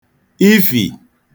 ifì